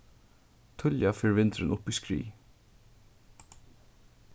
tíðliga fer vindurin upp í skrið